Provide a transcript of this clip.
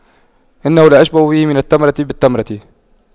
إنه لأشبه به من التمرة بالتمرة